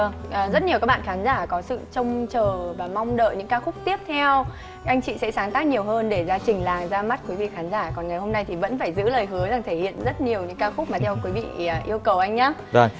vâng rất nhiều các bạn khán giả có sự trông chờ và mong đợi những ca khúc tiếp theo anh chị sẽ sáng tác nhiều hơn để ra trình làng ra mắt quý vị khán giả còn ngày hôm nay thì vẫn phải giữ lời hứa là thể hiện rất nhiều những ca khúc mà theo quý vị yêu cầu anh nhá